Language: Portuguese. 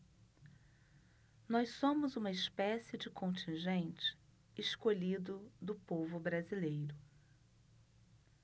nós somos uma espécie de contingente escolhido do povo brasileiro